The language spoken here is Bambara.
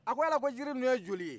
a ko yala ko jiri ninnu ye joli ye